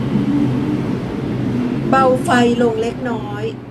เบาไฟลงเล็กน้อย